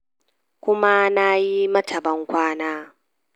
Kuma na yi.